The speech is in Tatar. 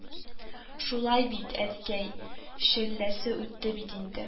Шулай бит, әткәй, челләсе үтте бит инде